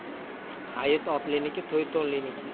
hayit otliniki to'y to'nliniki